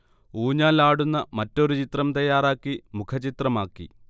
ഊഞ്ഞാൽ ആടുന്ന മറ്റൊരു ചിത്രം തയാറാക്കി മുഖച്ചിത്രമാക്കി